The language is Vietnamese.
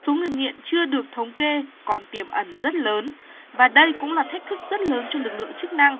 số người nghiện chưa được thống kê còn tiềm ẩn rất lớn và đây cũng là thách thức rất lớn cho lực lượng chức năng